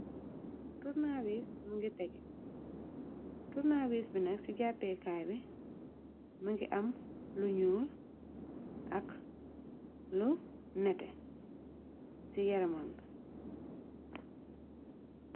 Turna wiis mugi tegeh turna wiis bi nag ci jàppee kaay bi mugi am lu ñuul ak lu nete ci yaramam bi.